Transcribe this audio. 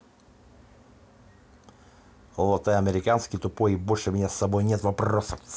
lotte американский тупой и больше меня с собой нет вопросов